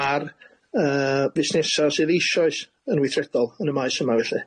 ar yy fusnesa sydd eisoes yn weithredol yn y maes yma felly.